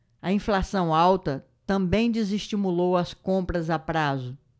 a inflação alta também desestimulou as compras a prazo